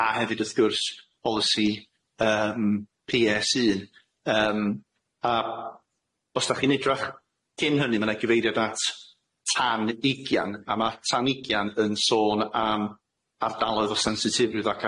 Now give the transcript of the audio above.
a hefyd wrth gwrs polisi yym Pee Ess un yym a os dach da chi'n edrach cyn hynny ma' na gyfeiriad at tan ugian a ma' tanugian yn sôn am ardaloedd o sensitifrwydd ac